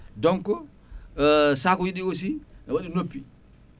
donc sakuji ɗi aussi no waɗi noppi